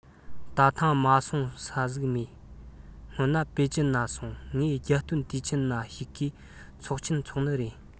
ད ཐེངས མ སོང ས ཟིག མེད སྔན ན པེ ཅིན ན སོང ངས རྒྱལ སྟོན དུས ཆེན ན ཞུགས གས ཚོགས ཆེན འཚོགས ནི རེད